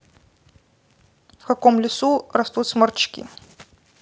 в каком лесу растут сморчки